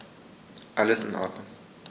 Alles in Ordnung.